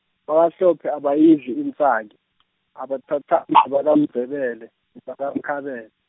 BakaHlophe abayidli intsaki , abatsatsa nebakaMndzebele, nebakaMkhabela.